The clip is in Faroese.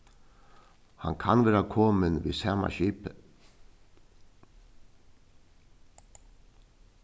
hann kann vera komin við sama skipi